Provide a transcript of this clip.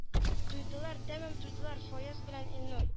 Туйдылар тәмам туйдылар фаяз белән илнур